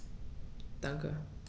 Danke.